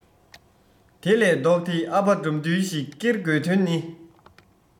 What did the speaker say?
དེ ལས ལྡོག སྟེ ཨ ཕ དགྲ འདུལ ཞིག ཀེར དགོས དོན ནི